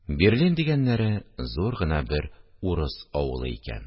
Берлин дигәннәре зур гына бер урыс авылы икән